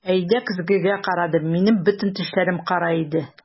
Ә өйдә көзгегә карадым - минем бөтен тешләрем кара иде!